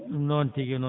noon tigi noon tigi